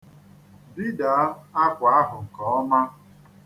Bidaa akwa ahụ nke ọma.